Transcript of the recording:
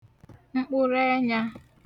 mkpụrụẹnyā